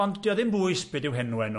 Ond dio ddim bwys be di'w henwe nhw.